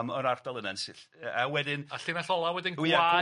yym o'r ardal yna yn sill- yy a wedyn... A llinall ola' wedyn gwae... Ie.